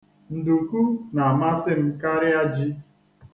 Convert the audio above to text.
Nduku na-amasị m karịa ji.